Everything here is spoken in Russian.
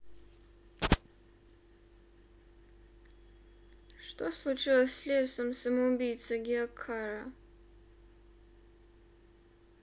что случилось с лесом самоубийца геокара